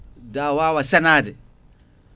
wawa seenade